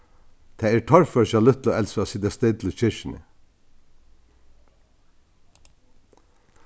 tað er torført hjá lítlu elsu at sita still í kirkjuni